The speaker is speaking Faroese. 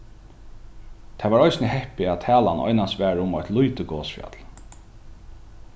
tað var eisini heppið at talan einans var um eitt lítið gosfjall